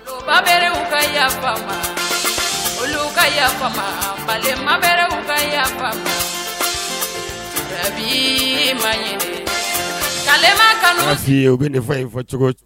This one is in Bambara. Bab u ka ya olu ka ya balimalemabw u ka yafa bi ma ɲini kaliba kanu bi u bɛ ye fɔ cogo